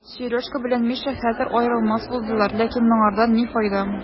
Сережка белән Миша хәзер аерылмас булдылар, ләкин моңардан ни файда?